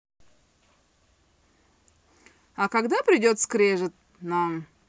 а когда придет скрежет нам